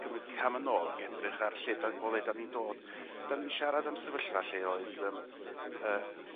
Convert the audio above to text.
cymryd cam yn ôl ag edrych ar lle 'da- o le 'dan ni'n dod 'dan ni'n siarad am sefyllfa lle oedd yym y